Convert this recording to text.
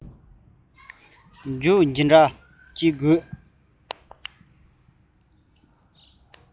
མཇུག ཇི ལྟར བསྐྱལ དགོས སམ